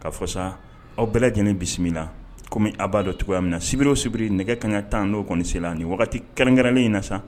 Ka fɔ sa aw bɛɛ lajɛlen bisimila na kɔmi a b'a dɔn cogoya min na sibiri o sibiri nɛgɛ ka tan n'o kɔnise ni waati kɛrɛnkɛrɛnnen in na sa